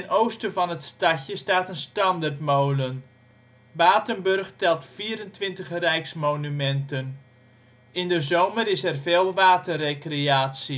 oosten van het stadje staat een standerdmolen. Batenburg telt 24 rijksmonumenten. In de zomer is er veel waterrecreatie